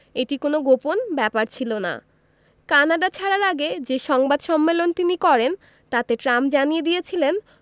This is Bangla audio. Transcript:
এটি কোনো গোপন ব্যাপার ছিল না কানাডা ছাড়ার আগে যে সংবাদ সম্মেলন তিনি করেন তাতে ট্রাম্প জানিয়ে দিয়েছিলেন